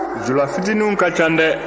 julafitininw ka ca dɛ